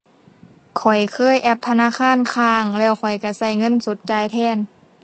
ข้อยเคยแอปธนาคารค้างแล้วข้อยก็ก็เงินสดจ่ายแทน